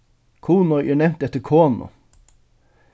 kunoy er nevnt eftir konu